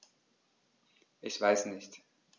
Ich weiß nicht.